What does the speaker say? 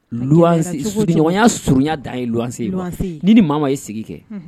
Ɲɔgɔnya surunya dan ye wase la ni ni maa ye sigi kɛ